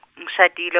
ngishadil-.